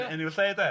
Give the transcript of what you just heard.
Yn enw lle de?